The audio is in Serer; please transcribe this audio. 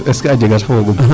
Est ce que a jega sax foogum .